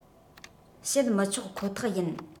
བྱེད མི ཆོག ཁོ ཐག ཡིན